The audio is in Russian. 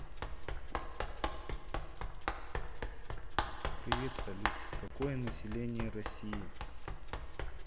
привет салют какое население россии